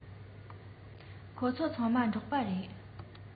ཁོ ཚོ ཚང མ འབྲོག པ རེད